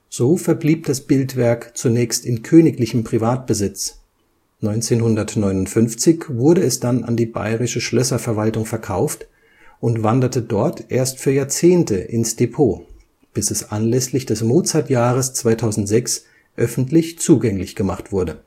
So verblieb das Bildwerk zunächst in königlichem Privatbesitz, 1959 wurde es dann an die Bayerische Schlösserverwaltung verkauft und wanderte dort erst für Jahrzehnte ins Depot, bis es anlässlich des Mozartjahres 2006 öffentlich zugänglich gemacht wurde